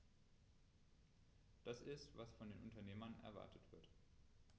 Das ist, was von den Unternehmen erwartet wird.